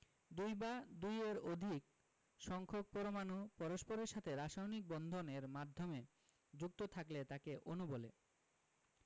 দুই বা দুইয়ের অধিক সংখ্যক পরমাণু পরস্পরের সাথে রাসায়নিক বন্ধন এর মাধ্যমে যুক্ত থাকলে তাকে অণু বলে